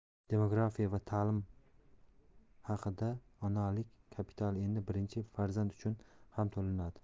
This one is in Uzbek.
demografiya va ta'lim haqidaonalik kapitali endi birinchi farzand uchun ham to'lanadi